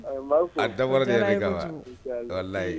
A dabɔkɛ ka wala ye